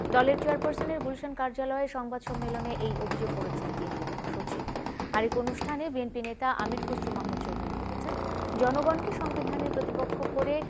দলের চেয়ারপারসনের গুলশান কার্যালয়ে সংবাদ সম্মেলনের সময় অভিযোগ করেছেন বিএনপি মহাসচিব আরেক অনুষ্ঠানে বিএনপি নেতা আমীর খসরু মাহমুদ চৌধুরী বলেছেন জনগণকে সংবিধানের প্রতিপক্ষ করে